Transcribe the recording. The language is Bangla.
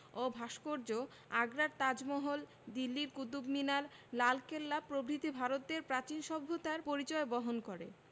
ও ভাস্কর্য আগ্রার তাজমহল দিল্লির কুতুব মিনার লালকেল্লা প্রভৃতি ভারতের প্রাচীন সভ্যতার পরিচয় বহন করে